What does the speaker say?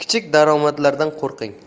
kichik daromadlardan qo'rqing